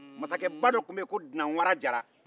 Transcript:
masakɛba dɔ tun bɛ yen ko dinan wara jara